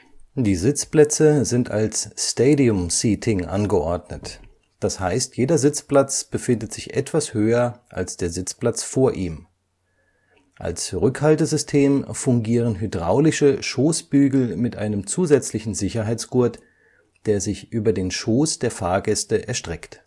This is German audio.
Die Sitzplätze sind als Stadium-Seating angeordnet, das heißt, jeder Sitzplatz befindet sich etwas höher als der Sitzplatz vor ihm. Als Rückhaltesystem fungieren hydraulische Schoßbügel mit einem zusätzlichen Sicherheitsgurt, der sich über den Schoß der Fahrgäste erstreckt